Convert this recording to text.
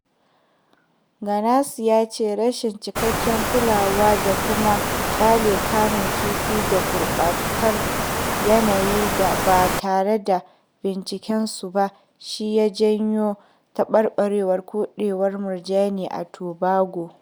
Ganase ya ce rashin cikakkiyar kulawa da kuma ƙyale kamun kifi da gurɓatar yanayi ba tare da bincikensu ba shi ya janyo taɓarɓarewar koɗewar murjanin a Tobago.